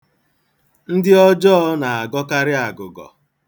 Ndị ọjọọ na-agọkarị agụgọ.